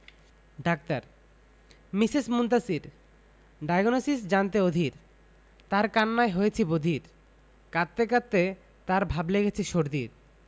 doctor Mrs Muntasir diagnosis জানতে অধীর তার কান্নায় হয়েছি বধির কাঁদতে কাঁদতে তার ভাব লেগেছে সর্দির